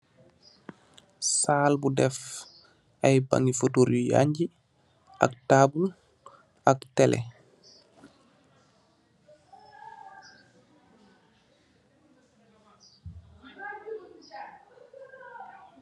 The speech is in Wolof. Sal bu dèf ay bangi fotorr yu yangi ak tabull ak teleh.